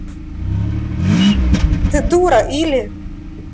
ты дура или